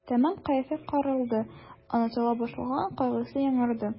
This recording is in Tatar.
Тәмам кәефе кырылды, онытыла башлаган кайгысы яңарды.